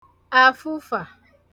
àfụfà